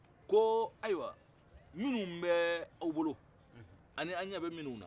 ko ayiwa ko minnu bɛ aw bolo ani aw ɲɛ bɛ minnu na